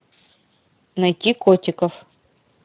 найти котиков